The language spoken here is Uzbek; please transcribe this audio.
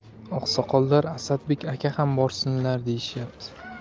oqsoqollar asadbek aka ham borsinlar deyishyapti